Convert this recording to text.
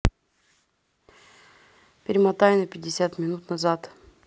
перемотай на пятьдесят минут назад